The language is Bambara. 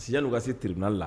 Siya nugu se tiriina la